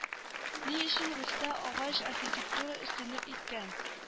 Ни өчен русьта агач архитектура өстенлек иткән